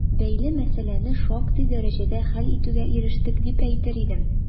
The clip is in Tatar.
Бәйле мәсьәләне шактый дәрәҗәдә хәл итүгә ирештек, дип әйтер идем.